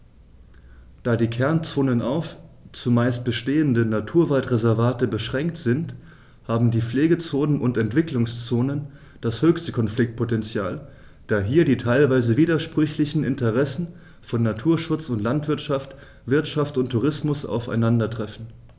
Da die Kernzonen auf – zumeist bestehende – Naturwaldreservate beschränkt sind, haben die Pflegezonen und Entwicklungszonen das höchste Konfliktpotential, da hier die teilweise widersprüchlichen Interessen von Naturschutz und Landwirtschaft, Wirtschaft und Tourismus aufeinandertreffen.